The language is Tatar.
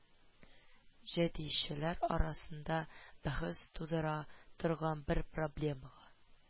Җәдитчеләр арасында бәхәс тудыра торган бер проблемага